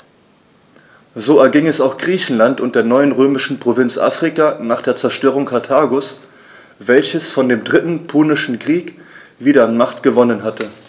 So erging es auch Griechenland und der neuen römischen Provinz Afrika nach der Zerstörung Karthagos, welches vor dem Dritten Punischen Krieg wieder an Macht gewonnen hatte.